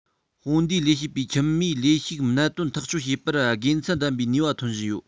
དཔུང སྡེའི ལས བྱེད པའི ཁྱིམ མིའི ལས ཞུགས གནད དོན ཐག གཅོད བྱེད པར དགེ མཚན ལྡན པའི ནུས པ ཐོན བཞིན ཡོད